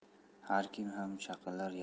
har kim ham chaqilar